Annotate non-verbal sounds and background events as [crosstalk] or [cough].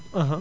[hesitation] [hesitation]